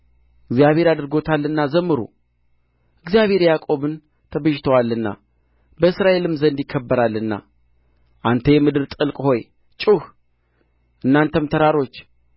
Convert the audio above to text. እግዚአብሔር አድርጎታልና ዘምሩ እግዚአብሔር ያዕቆብን ተቤዥቶአልና በእስራኤልም ዘንድ ይከበራልና አንተ የምድር ጥልቅ ሆይ ጩኽ እናንተም ተራሮች